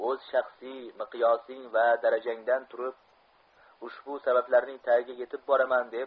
oz shaxsiy miqyosing va darajangdan turib ushbu sabablarning tagiga yetib boraman deb